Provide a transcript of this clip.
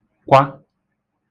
-kwa